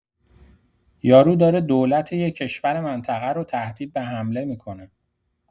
یارو داره دولت یه کشور منطقه رو تهدید به حمله می‌کنه.